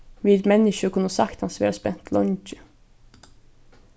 vit menniskju kunnu saktans vera spent leingi